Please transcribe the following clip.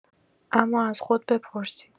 اما از خود بپرسید.